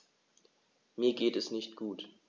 Mir geht es nicht gut.